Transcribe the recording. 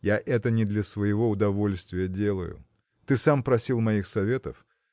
– Я это не для своего удовольствия делаю: ты сам просил моих советов.